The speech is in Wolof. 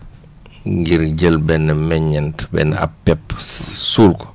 ngir jël benn meññeent benn ab pepp suul ko